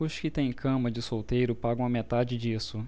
os que têm cama de solteiro pagam a metade disso